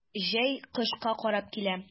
Җәй кышка карап килә.